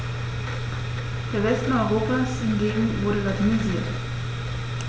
Der Westen Europas hingegen wurde latinisiert.